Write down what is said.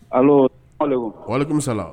Ayiwa kɔn nimisa la